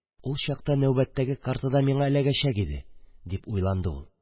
Ул чакта нәүбәттәге карта да миңа эләгәчәк иде!» – дип уйланды ул.